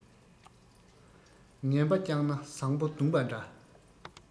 ངན པ བསྐྱངས ན བཟང པོ བརྡུངས པ འདྲ